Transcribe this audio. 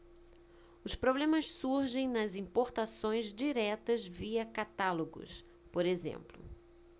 os problemas surgem nas importações diretas via catálogos por exemplo